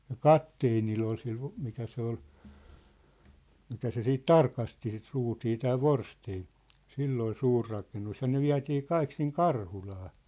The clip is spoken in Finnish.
ja kapteenilla oli sillä - mikä se oli mikä se sitten tarkasti sitä ruutia tämä Forstén sillä oli suuri rakennus ja ne vietiin kaikki sinne Karhulaan